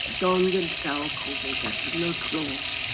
Y don gyntaf o Covid a'r cyfnod clo.